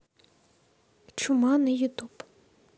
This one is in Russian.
чума на ютуб